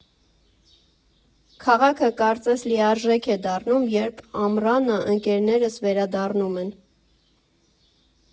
Քաղաքը կարծես լիարժեք է դառնում, երբ ամռանը շատ ընկերներս վերադառնում են։